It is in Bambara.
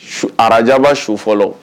Arasaba su fɔlɔ